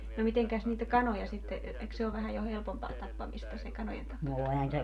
no mitenkäs niitä kanoja sitten eikö se ole vähän jo helpompaa tappamista se kanojen tappaminen